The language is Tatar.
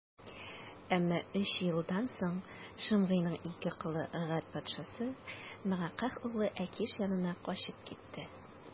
Әмма өч елдан соң Шимгыйның ике колы Гәт патшасы, Мәгакәһ углы Әкиш янына качып китте.